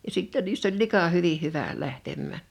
ja sitten niissä oli lika hyvin hyvä lähtemään